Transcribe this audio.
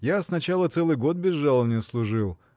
– Я сначала целый год без жалованья служил